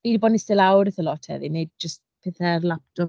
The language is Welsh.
Fi 'di bod yn iste lawr eitha lot heddi, wneud jyst pethe ar laptop.